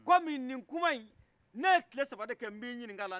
komi nin kuma in ne tile saba de kɛ bɛ i ɲinika a la